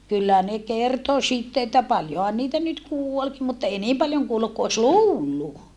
kyllä ne kertoi sitten että paljonhan niitä nyt kuolikin mutta ei niin paljon kuollut kuin olisi luullut